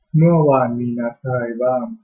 เมื่อวานมีนัดอะไรบ้าง